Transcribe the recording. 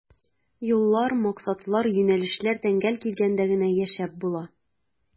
Юллар, максатлар, юнәлешләр тәңгәл килгәндә генә яшәп була.